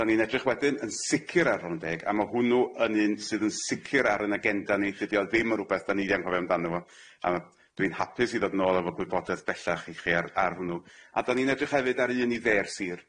Da'n i'n edrych wedyn yn sicir ar Rondeg a ma' hwnnw yn un sydd yn sicir ar yn agenda ni tydi o ddim yn rwbeth do'n i'n anghofio amdano fo a ma' dwi'n hapus i ddod nôl efo gwybodaeth bellach i chi ar ar hwnnw a da'n i'n edrych hefyd ar un i dde'r sir.